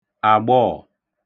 àgbọọ̀